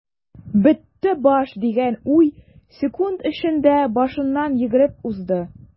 "бетте баш” дигән уй секунд эчендә башыннан йөгереп узды.